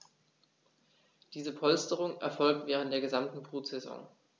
Diese Polsterung erfolgt während der gesamten Brutsaison.